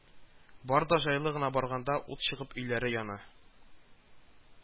Бар да җайлы гына барганда, ут чыгып, өйләре яна